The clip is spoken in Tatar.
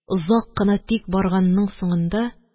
Озак кына тик барганның соңында